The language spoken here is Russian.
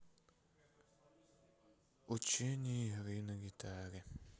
учение игры на гитаре